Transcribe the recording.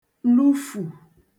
lufù